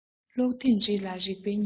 ཀློག ཐེངས རེ ལ རིག པའི ཉི མ ཤར